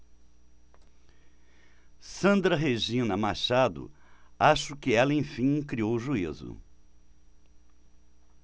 sandra regina machado acho que ela enfim criou juízo